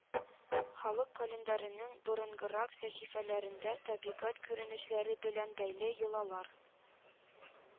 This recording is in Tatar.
Халык календареның борынгырак сәхифәләрендә табигать күренешләре белән бәйле йолалар